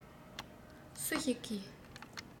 སུ ཞིག གིས